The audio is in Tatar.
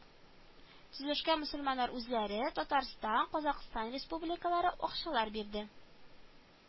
Төзелешкә мөселманнар үзләре, Татарстан, Казакъстан республикалары акчалар бирде